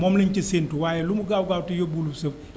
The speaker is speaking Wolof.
moom lañ ca séntu waaye lu mu gaaw gaaw yóbbuwul sëf